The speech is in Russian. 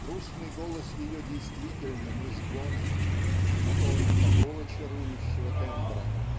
Грустный голос ее, действительно, незвонок, но он такого чарующего тембра